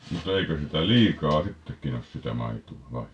mutta eikö sitä liikaa sittenkin ole sitä maitoa vai